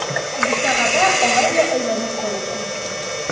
Бусагада алай да әйләнеп карыйсы иттем.